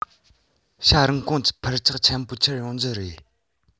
ཤ རིན གོང གྱི འཕར ཆག ཆེན པོ ཁྱེར ཡོང རྒྱུ རེད